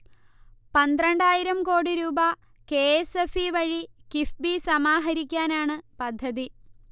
പന്ത്രണ്ടായിരം കോടിരൂപ K. S. F. E. വഴി കിഫ്ബി സമാഹരിക്കാനാണ് പദ്ധതി